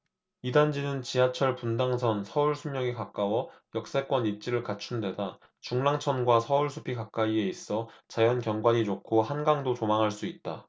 이 단지는 지하철 분당선 서울숲역이 가까워 역세권 입지를 갖춘 데다 중랑천과 서울숲이 가까이에 있어 자연경관이 좋고 한강도 조망할 수 있다